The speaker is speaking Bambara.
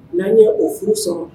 N'an ye o furu sɔn